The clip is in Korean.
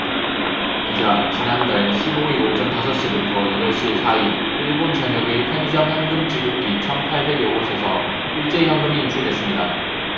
기자 지난달 십 오 일 오전 다섯 시부터 여덟 시 사이 일본 전역의 편의점 현금지급기 천 팔백 여 곳에서 일제히 현금이 인출됐습니다